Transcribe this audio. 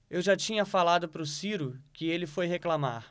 eu já tinha falado pro ciro que ele foi reclamar